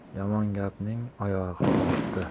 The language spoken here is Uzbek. yomon gapning oyog'i olti